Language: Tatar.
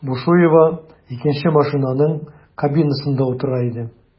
Бушуева икенче машинаның кабинасында утыра иде.